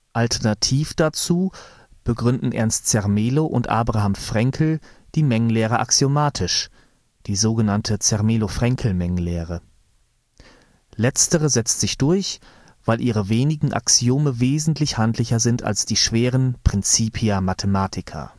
Alternativ dazu begründen Ernst Zermelo und Abraham Fraenkel die Mengenlehre axiomatisch (Zermelo-Fraenkel-Mengenlehre). Letztere setzt sich durch, weil ihre wenigen Axiome wesentlich handlicher sind als die schweren „ Principia Mathematica